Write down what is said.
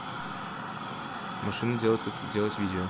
машины делают как делать видео